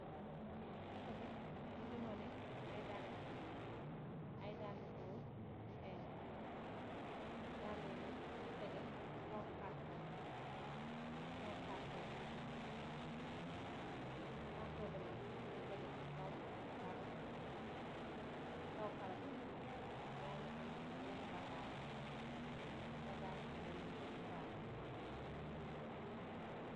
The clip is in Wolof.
Photobi muge wanee aye dallu goor aye dallu goor yu ess, dalla yee nak nuge tegeh se kaw cartoon se kaw cartoon bun juge, cartoon be nak muge tegeh se kaw karou , se kaw karou be yage am yenen bagass bagass bu melne kom pan.